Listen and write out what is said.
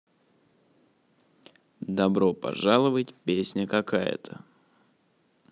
добро пожаловать песня какая то